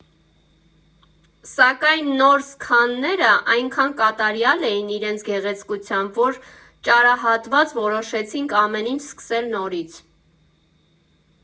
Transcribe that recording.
Սակայն նոր սքանները այնքան կատարյալ էին իրենց գեղեցկությամբ, որ ճարահատված, որոշեցինք ամեն ինչ սկսել նորից…